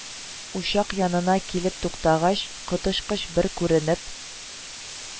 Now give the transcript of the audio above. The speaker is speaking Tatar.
Учак янына килеп туктагач, коточкыч бер күренеп